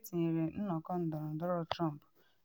Etinyere nnọkọ ndọrọndọrọ Trump